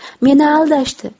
meni aldashdi